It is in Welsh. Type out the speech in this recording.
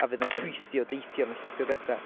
A fydd yna llwythi o deithio. Fydd 'na llwythi o bethau.